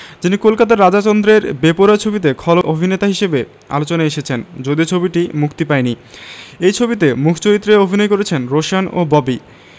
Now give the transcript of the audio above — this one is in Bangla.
যিনি কলকাতার রাজা চন্দ্রের বেপরোয়া ছবিতে খল অভিননেতা হিসেবে আলোচনায় এসেছেন যদিও ছবিটি মুক্তি পায়নি এই ছবিতে মূখ চরিত্রে অভিনয় করছেন রোশান ও ববি